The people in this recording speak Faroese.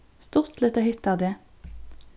stuttligt at hitta teg